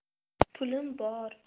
pulim bor